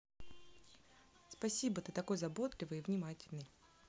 спасибо ты такой заботливый и внимательный